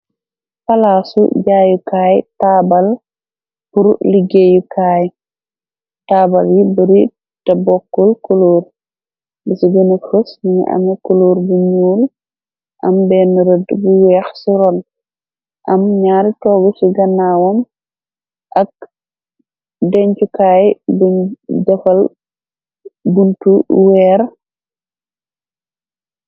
Palaasu jaayukaay taabal pur liggéeyukaay taabal yi bari te bokkul kuluor. Bici gëni cros nini ame kuluor bi ñuul. Am benn rëdd bu weex ci ron am ñaari toogu ci gannaawoon. Ak dencukaay buñ defal buntu weer.